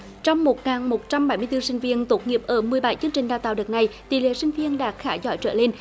trong một ngàn một trăm bảy mươi tư sinh viên tốt nghiệp ở mười bảy chương trình đào tạo đợt này tỷ lệ sinh viên đạt khá giỏi trở lên